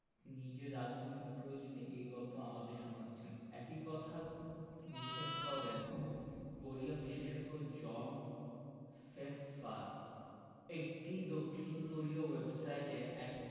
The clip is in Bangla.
নিজের রাজনৈতিক প্রয়োজনে এই গল্প আমাদের শোনাচ্ছেন একই কথা বিশ্বাস করেন কোরিয়া বিশেষজ্ঞ জন ফেফফার একটি দক্ষিণ কোরীয় ওয়েবসাইটে এক